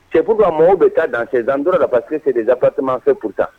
C'est pourquoi mɔgɔw bɛ taa dans ces endroits là parce que c'est des appartements fait pour ça